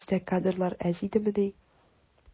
Үзебездә кадрлар аз идемени?